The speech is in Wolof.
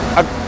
waaw